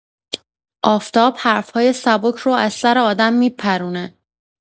آفتاب حرف‌های سبک رو از سر آدم می‌پرونه.